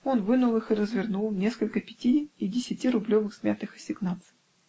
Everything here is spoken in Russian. он вынул их и развернул несколько пяти- и десятирублевых смятых ассигнаций.